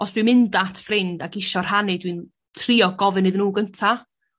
os dw i'n mynd at ffrind ag isio rhannu dwi'n trio gofyn iddyn nhw gynta.